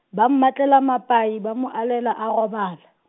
ba mmatlela mapai ba mo alela a robala.